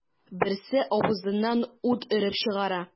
Берсе авызыннан ут өреп чыгара.